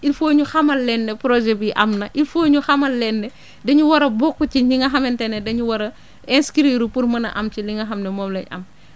il faut ñu xamal leen ne projet bi am na il faut ñu xamal leen ne dañu war a bokk ci ñi nga xamante ne dañu war a incrire pour mën a am ci li nga xam ne moom lañ am